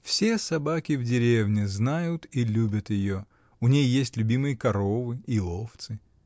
Все собаки в деревне знают и любят ее; у ней есть любимые коровы и овцы.